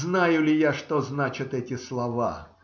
- Знаю ли я, что значат эти слова?